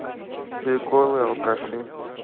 приколы алкаши